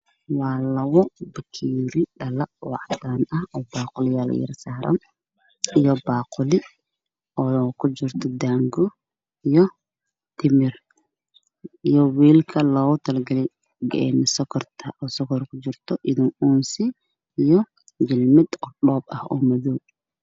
Waa labo bakeeri oo dhalo ah oo cadaan ah, saxan iyo baaquli kujirto daango iyo timir. Weelka lugu talagalay sokorta, uunsi iyo jalmad cadaan.